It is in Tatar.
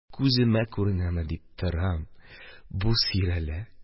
Күземә күренәме дип торам – бу сөйрәлә.